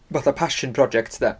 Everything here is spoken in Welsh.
Fatha passion projects de.